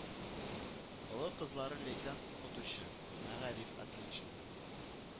Олы кызлары Ләйсән укытучы, мәгариф отличнигы